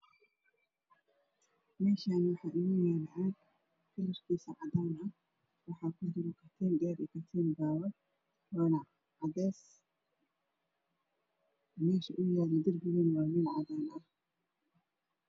Meeshaani waxaa yaala caag kalarkiisu yahay cadaan ah waxaa ku jira katiin dheer iyo katiin gaaban waana cadees meesha uu yaalo derbiga waa cadaan ah